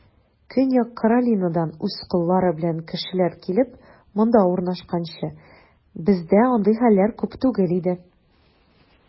Көньяк Каролинадан үз коллары белән кешеләр килеп, монда урнашканчы, бездә андый хәлләр күп түгел иде.